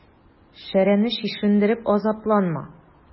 Шәрәне чишендереп азапланма.